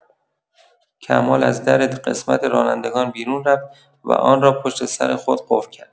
کمال از در قسمت رانندگان بیرون رفت و آن را پشت‌سر خود قفل کرد.